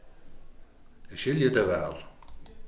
eg skilji teg væl